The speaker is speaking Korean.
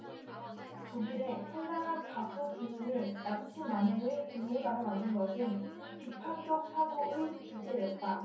독일의 선량한 다수 국민을 나치 만행의 공모자로 만든 것은 비판적 사고의 부재였다